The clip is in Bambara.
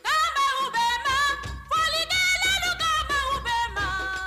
Faama' bɛ ma fainɛ tɛ kun bɛ ma